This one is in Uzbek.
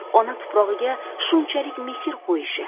ona tuprog'iga shunchalik mehr qo'yishi